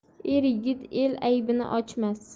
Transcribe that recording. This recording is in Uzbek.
er yigit el aybini ochmas